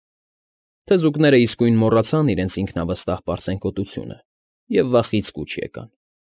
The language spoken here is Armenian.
Թզուկներն իսկույն մոռացան իրենց ինքնավստահ պարծենկոտությունը և վախից կուչ եկան։